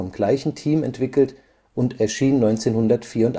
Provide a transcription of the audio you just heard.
gleichen Team entwickelt und erschien 1984